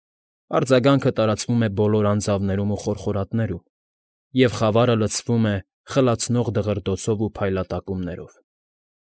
Արձագանքը տարածվում է բոլոր անձավներում ու խորխորատներում, և խավարը լցվում է խլացնող դղրդոցով ու փայլատակումներով։